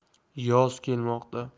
yoz kelmoqda